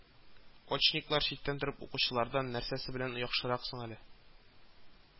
Очниклар читтән торып укучылардан нәрсәсе белән яхшырак соң әле